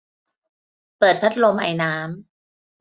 เปิดพัดลมไอน้ำ